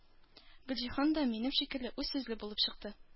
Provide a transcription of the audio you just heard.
Гөлҗиһан да минем шикелле үзсүзле булып чыкты.